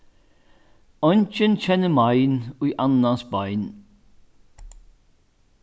eingin kennir mein í annans bein